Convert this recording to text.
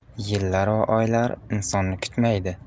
yillar va oylar insonni kutmaydi